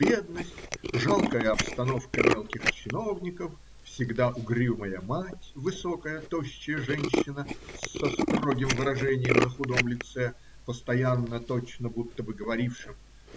Бедность, жалкая обстановка мелких чиновников, всегда угрюмая мать, высокая тощая женщина с строгим выражением на худом лице, постоянно точно будто бы говорившем